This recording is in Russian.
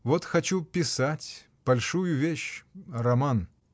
Вот хочу писать — большую вещь, роман.